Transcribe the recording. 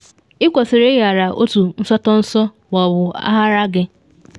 Ị kwesịrị ịghara otu nsotanso ma ọ bụ aghara gị.